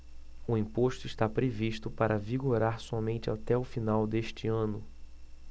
o imposto está previsto para vigorar somente até o final deste ano